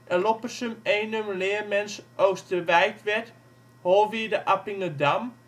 Loppersum - Eenum - Leermens - Oosterwijtwerd - Holwierde - Appingedam